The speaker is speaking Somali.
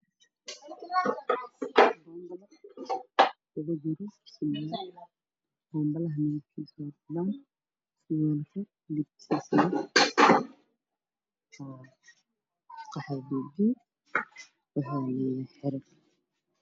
Waa banbal leerkiis yahay caddaan waxaa ku jira surwaal hargeysa kaxor dhulka yaallaan